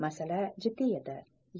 masala jiddiy edi